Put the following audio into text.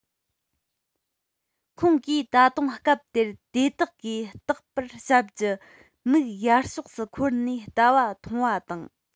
ཁོང གིས ད དུང སྐབས དེར དེ དག གིས རྟག པར ཞབས ཀྱི མིག ཡར ཕྱོགས སུ འཁོར ནས བལྟ བ མཐོང བ དང